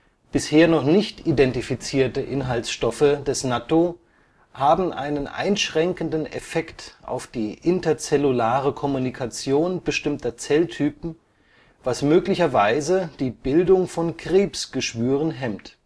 Bisher noch nicht identifizierte Inhaltsstoffe des Nattō haben einen einschränkenden Effekt auf die interzellulare Kommunikation bestimmter Zelltypen, was möglicherweise die Bildung von Krebsgeschwüren hemmt